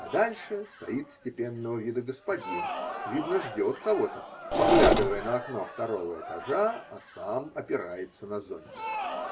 Подальше стоит степенного вида господин, видно, ждет кого-то, поглядывая на окно второго этажа, а сам опирается на зонтик.